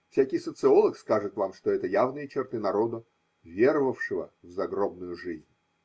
Всякий социолог скажет вам, что это явные черты народа, веровавшего в загробную жизнь.